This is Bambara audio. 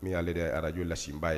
N'ale yɛrɛ arajo lasi'a ye